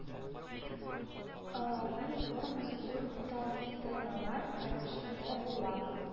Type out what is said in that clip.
Аларның формасы зур металл цистерналар рәвешендә була